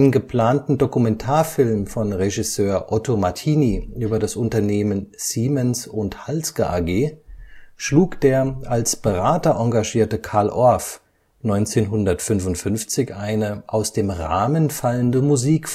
geplanten Dokumentarfilm von Regisseur Otto Martini über das Unternehmen Siemens & Halske AG schlug der als Berater engagierte Carl Orff 1955 eine „ aus dem Rahmen fallende Musik